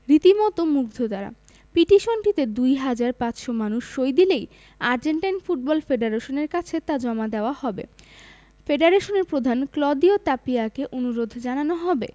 রীতিমতো মুগ্ধ তাঁরা পিটিশনটিতে ২ হাজার ৫০০ মানুষ সই দিলেই আর্জেন্টাইন ফুটবল ফেডারেশনের কাছে তা জমা দেওয়া হবে ফেডারেশনের প্রধান ক্লদিও তাপিয়াকে অনুরোধ জানানো হবে